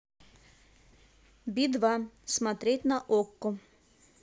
би два смотреть на окко